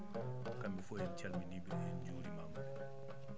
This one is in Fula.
kamɓe fof en calminii ɓe en njuurimaama ɓe